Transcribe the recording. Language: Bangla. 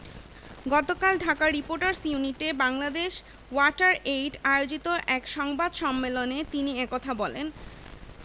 গতকাল ঢাকা রিপোর্টার্স ইউনিটে বাংলাদেশ ওয়াটার এইড আয়োজিত এক সংবাদ সম্মেলন তিনি এ কথা বলেন